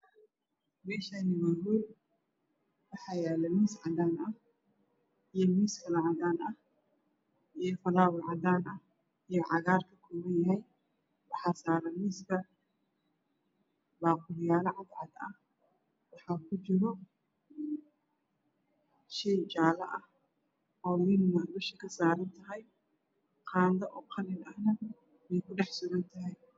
Meeshaani waa hool waxaa yaalo miis cadaan ah iyo miis kaloo cadaan ah iyo falaawer cadaan ah iyo cagaar ka koobanyahay waxaa saaran miiska baaquliyo cad cad ah waxaa ku jiro shay jaalo ah oo liin dusha ka saarantahay qaando oo qalin ahana way ka dhax suran tahay